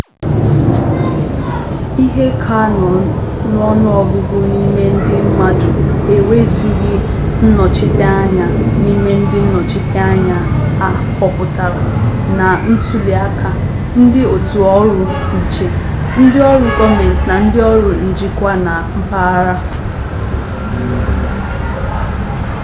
Ihe ka n'ọnụọgụgụ n'ime ndị mmadụ enwezughị nnọchiteanya n'ime ndị nnọchiteanya a họpụtara na ntụli aka, ndị òtù ọrụ nche, ndị ọrụ gọọmentị na ndị ọrụ njikwa na mpaghara.